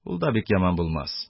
Ул да яман булмас...